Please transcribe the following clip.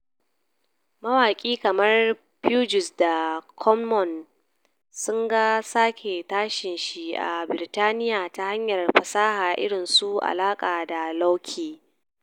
Mawaki kamar Fugees da Common sun ga sake tashin shi a Birtaniya ta hanyar fasaha irin su Akala da LowKey.